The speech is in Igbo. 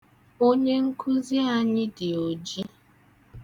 Onyenkụzị anyị dị oji.